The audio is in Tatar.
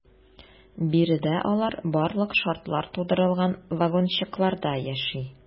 Биредә алар барлык шартлар тудырылган вагончыкларда яши.